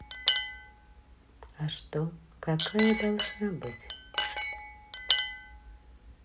а что какая должна быть